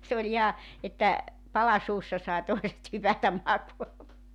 se oli ihan että pala suussa sai toiset hypätä makaamaan